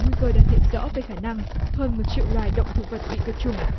nguy cơ đang hiện rõ về khả năng hơn một triệu loài động thực vật bị tuyệt chủng